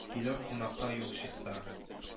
– килер кунакка юл чиста